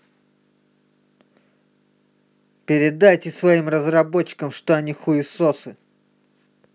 передайте своим разработчикам что они хуесосы